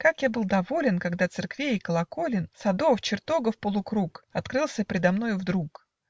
как я был доволен, Когда церквей и колоколен, Садов, чертогов полукруг Открылся предо мною вдруг!